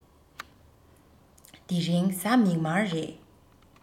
དེ རིང གཟའ མིག དམར རེད